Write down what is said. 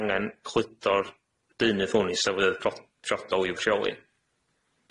angen cludo'r deunydd hwn i safluoedd pro- priodol i'w rheoli.